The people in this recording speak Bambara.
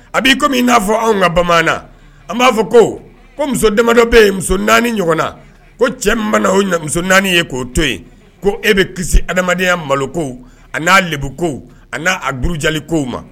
A b'i komi min n'a fɔ anw ka bamanan an b'a fɔ ko ko muso damadɔ bɛ ye muso naani ɲɔgɔn na ko cɛ na mu naani ye k'o to yen ko e bɛ kisi adamaya malo ko a n'a lebu ko a n'a auruja ko ma